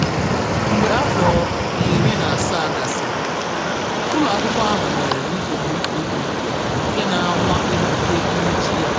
Mgbe afọ 17 gasịrị, ụlọakwụkwọ ahụ nwere nsogbu ego nke na-anwa ibute mmechi ya.